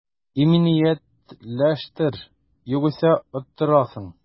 Иминиятләштер, югыйсә оттырасың